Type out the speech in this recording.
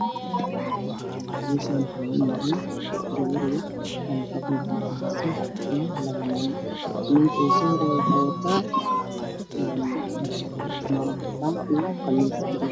Meshan waxa iga muqda gabar yare oo makrofan gacanta kuheyso io labo nin ninka usohoreyo waxow wata amamad cadan io qamis baluug